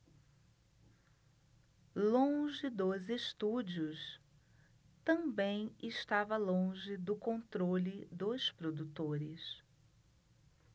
longe dos estúdios também estava longe do controle dos produtores